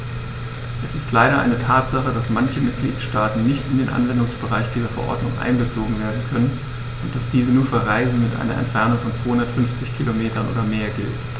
Es ist leider eine Tatsache, dass manche Mitgliedstaaten nicht in den Anwendungsbereich dieser Verordnung einbezogen werden können und dass diese nur für Reisen mit einer Entfernung von 250 km oder mehr gilt.